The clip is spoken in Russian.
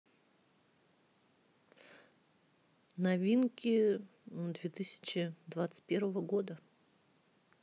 новинки две тысячи двадцать первого года